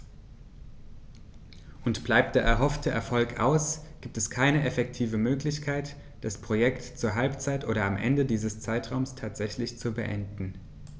Und bleibt der erhoffte Erfolg aus, gibt es keine effektive Möglichkeit, das Projekt zur Halbzeit oder am Ende dieses Zeitraums tatsächlich zu beenden.